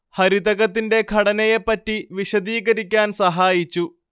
ഹരിതകത്തിന്റെ ഘടനയെ പറ്റി വിശദീകരിക്കാൻ സഹായിച്ചു